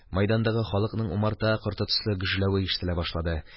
Мәйдандагы халыкның умарта корты төсле гөжләве ишетелә башлады.